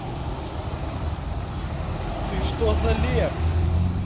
ты что за лев